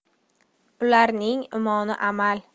ularning imoni amal